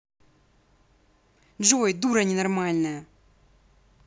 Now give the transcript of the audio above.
джой дура ненормальная